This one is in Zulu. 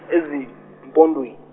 ezimpondweni.